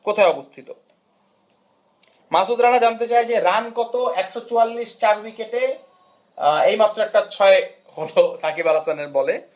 কোথায় অবস্থিত মাসুদ রানা জানতে চায় যে রান কত 144 চার উইকেটে এই মাত্র একটা 6 হলো সাকিব আল হাসানের বলে